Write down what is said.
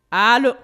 H